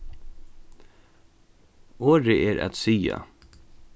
orðið er at siga